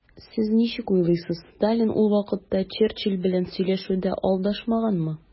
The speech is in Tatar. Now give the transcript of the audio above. Сез ничек уйлыйсыз, Сталин ул вакытта Черчилль белән сөйләшүдә алдашмаганмы?